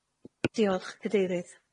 Diolch, Gadeirydd.